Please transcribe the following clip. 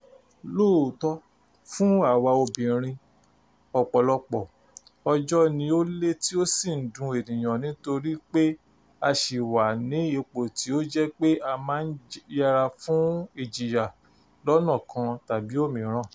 Lóòótọ́, fún àwa obìnrin ọ̀pọ̀lọpọ̀ ọjọ́ ni ó le tí ó sì ń dùn èèyàn nítorí pé a ṣì wà ní ipò tí ó jẹ́ pé a máa ń yẹra fún ìjìyà lọ́nà kan tàbí òmíràn.